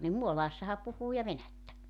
niin Muolaassahan puhuu ja venäjää